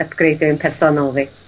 ypgeidioun personol fi.